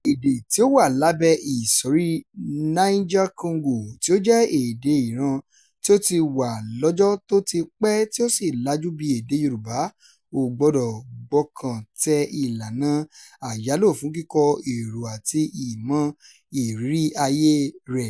Èdè tí ó wà lábẹ́ ìsọ̀rí Niger-Congo tí ó jẹ́ èdè ìran tí ó ti wà lọ́jọ́ tó ti pẹ́ tí ó sì lajú bí èdè Yorùbá ò gbọdọ̀ gbọ́kàn tẹ ìlànà àyálò fún kíkọ èrò àti ìmọ̀ ìrírí ayé rẹ̀.